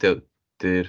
Dio... di'r...